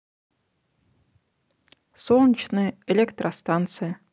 солнечная электростанция